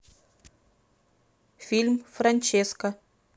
фильм франческа